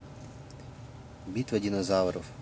битва динозавров